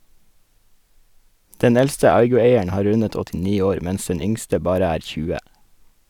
Den eldste Aygo-eieren har rundet 89 år, mens den yngste bare er 20.